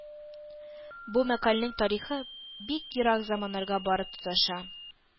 Бу мәкальнең тарихы бик ерак заманнарга барып тоташа.